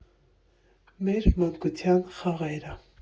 Մեր մանկության խաղերը։